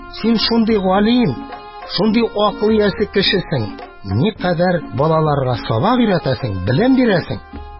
Син шундый галим, шундый акыл иясе кешесең, никадәр балаларга сабак өйрәтәсең, белем бирәсең.